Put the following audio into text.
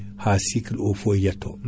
ha cycle o fo yetto